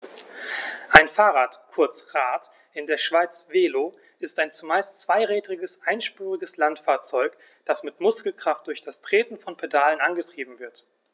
Ein Fahrrad, kurz Rad, in der Schweiz Velo, ist ein zumeist zweirädriges einspuriges Landfahrzeug, das mit Muskelkraft durch das Treten von Pedalen angetrieben wird.